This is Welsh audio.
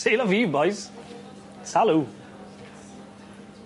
Cest la vie bois. Salut!